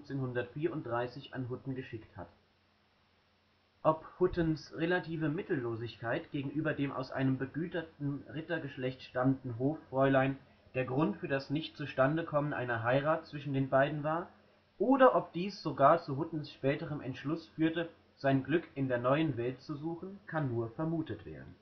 1534 an Hutten geschickt hat. Ob Huttens relative Mittellosigkeit gegenüber dem aus einem begüterten Rittergeschlecht stammenden Hoffräulein der Grund für das Nichtzustandekommen einer Heirat zwischen den beiden war, oder ob dies sogar zu Huttens späterem Entschluss führte, sein Glück in der Neuen Welt zu suchen, kann nur vermutet